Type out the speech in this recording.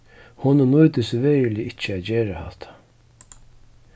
honum nýtist veruliga ikki at gera hatta